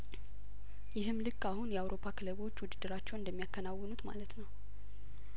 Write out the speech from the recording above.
ይህም ልክ አሁን የአውሮፓ ክለቦች ውድድራቸውን እንደሚያከናውኑት ማለት ነው